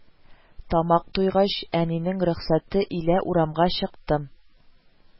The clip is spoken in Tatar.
Тамак туйгач әнинең рөхсәте илә урамга чыктым